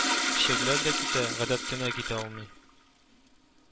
Чирләр дә китә, гадәт кенә китә алмый